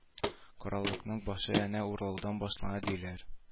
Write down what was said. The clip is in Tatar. Караклыкның башы энә урлаудан башлана диләр